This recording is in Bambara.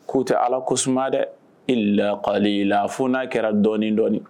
K ko tɛ ala ko tasuma dɛ e la ko ale' la fo n'a kɛra dɔɔnin dɔɔnin